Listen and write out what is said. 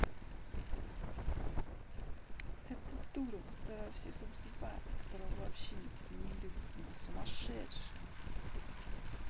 это дура которая всех обзывает которого вообще никого не любит она сумасшедшая